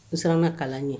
N siran ka kalan ɲɛ